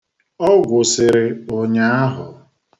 Ọ gwụsịrị ụnyaahụ.